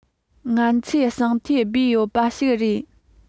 ང ཚོས གསང ཐབས སྦས ཡོད པ ཞིག རེད